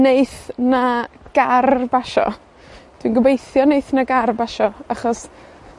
neith 'na gar basio. Dwi'n gobeithio neith 'na gar basio, achos,